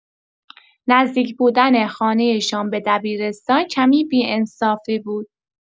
نزدیک بودن خانه‌شان به دبیرستان کمی بی‌انصافی بود.